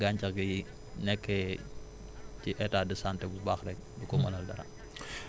waa mais bu gàncax gi nekkee ci état de santé bu baax rek